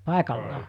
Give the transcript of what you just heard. paikallaan